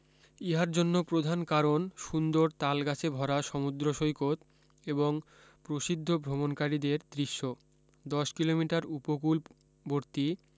ইহার জন্য প্রধান কারণ হল সুন্দর তালগাছে ভরা সমুদ্র সৈকত এবং প্রসিদ্ধ ভ্রমণকারীদের দৃশ্য দশ কিলোমিটার উপকূলবর্তী